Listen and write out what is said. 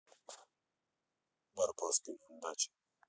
барбоскины на даче